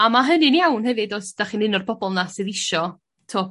A ma' hynny'n iawn hefyd os dach chi'n un o'r bobol 'na sydd isio t'o'